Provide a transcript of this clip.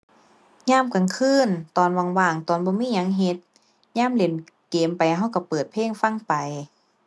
ยามกลางคืนตอนว่างว่าง ตอนบ่มีหยังเฮ็ด ยามเล่นเกมไปเราเราเปิดเพลงฟังไป